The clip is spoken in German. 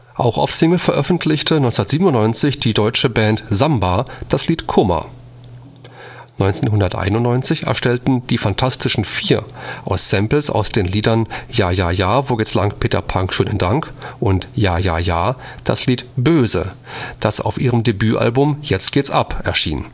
Auch auf Single veröffentlichte 1997 die deutsche Band Samba das Lied Kummer. 1991 erstellten Die Fantastischen Vier aus Samples aus den Liedern Ja ja wo gehts lank Peter Pank schönen Dank und Ja ja ja das Lied Böse, das auf ihrem Debüt-Album Jetzt geht’ s ab erschien